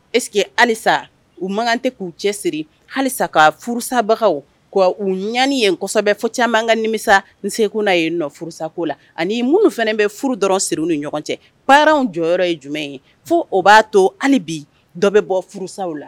Es que halisa u mankan kan tɛ k'u cɛ siri halisa ka furusabagaw u ɲani ye fɔ caman ka nimisa se ko n'a ye nɔ furusako la ani minnu fana bɛ furu dɔrɔn siri ni ɲɔgɔn cɛ paraww jɔyɔrɔ ye jumɛn ye fo o b'a to hali bi dɔ bɛ bɔ furusaw la